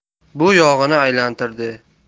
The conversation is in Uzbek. bu yog'ini aylantirdi